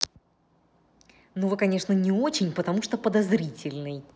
ну вы конечно не очень потому что подозрительный